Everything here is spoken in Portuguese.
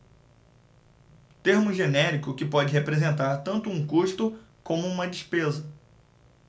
termo genérico que pode representar tanto um custo como uma despesa